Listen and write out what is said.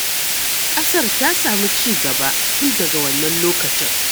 Ƙasar ta samu ci-gaba tun daga wannan lokacin.